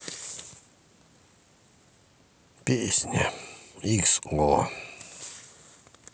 песня икс о